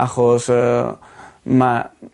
Achos yy ma'